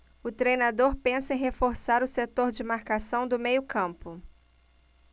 o treinador pensa em reforçar o setor de marcação do meio campo